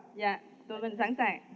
dạ tụi mình sẵn sàng